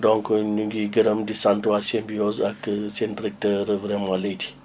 donc ñu ngi gërëm di sant waa Symbiose ak seen directeur vraiment Leïty